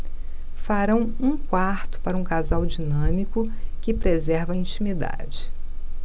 farão um quarto para um casal dinâmico que preserva a intimidade